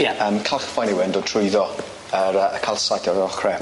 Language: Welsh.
Ie. Yym calchfaen yw e yn dod trwyddo yr yy y calsite o'r ochre.